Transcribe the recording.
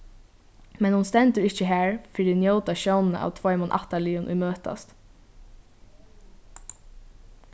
men hon stendur ikki har fyri njóta sjónina av tveimum ættarliðum ið møtast